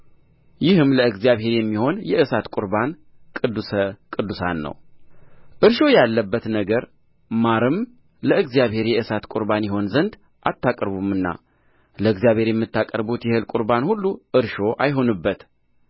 ይህም ለእግዚአብሔር የሚሆን የእሳት ቍርባን ቅዱስ ቅዱሳን ነውእርሾ ያለበት ነገር ማርም ለእግዚአብሔር የእሳት ቍርባን ይሆን ዘንድ አታቀርቡምና ለእግዚአብሔር የምታቀርቡት የእህል ቍርባን ሁሉ እርሾ አይሁንበት